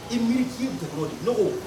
I miiri' nɔgɔ